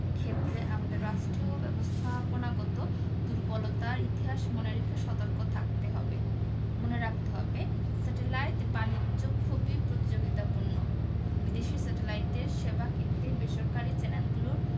ক্ষেত্রে আমাদের রাষ্ট্রীয় ব্যবস্থাপনাগত দূর্বলতার ইতিহাস মনে রেখে সতর্ক থাকতে হবে মনে রাখতে হবে স্যাটেলাইট বাণিজ্য খুবই প্রতিযোগিতাপূর্ণ বিদেশি স্যাটেলাইটের সেবা কিনতে বেসরকারি চ্যানেলগুলোর